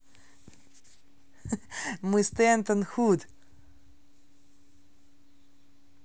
мы stanton худ